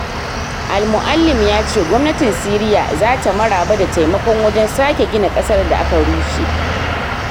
Al-Moualem ya ce gwamnatin Siriya za ta maraba da taimako wajen sake gina ƙasar da aka rushe.